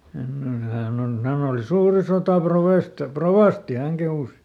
semmoinen hän on hän oli suuri - sotarovasti hän kehui